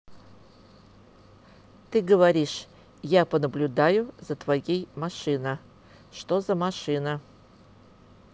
ты говоришь я понаблюдаю за твоей машина что за машина